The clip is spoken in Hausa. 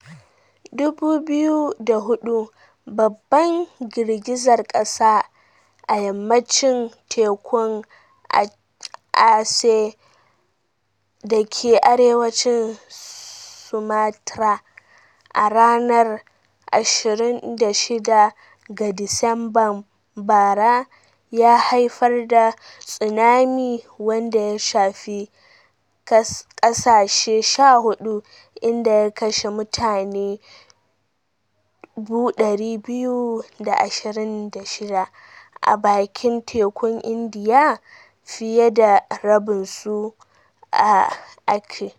2004: Babban girgizar kasa a yammacin tekun Aceh dake arewacin Sumatra a ranar 26 ga Disamban bara ya haifar da tsunami wanda ya shafi kasashe 14, inda ya kashe mutane 226,000 a bakin tekun Indiya, fiye da rabin su a Aceh.